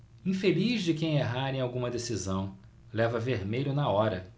infeliz de quem errar em alguma decisão leva vermelho na hora